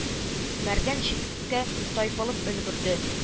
Мәргән читкә тайпылып өлгерде